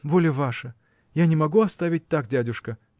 – Воля ваша: я не могу оставить так, дядюшка!